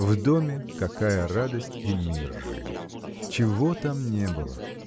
В доме какая радость и мир жили! Чего там не было!